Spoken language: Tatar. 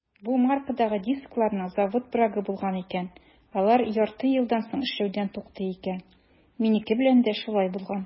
Бу маркадагы дискларның завод брагы булган икән - алар ярты елдан соң эшләүдән туктый икән; минеке белән дә шулай булган.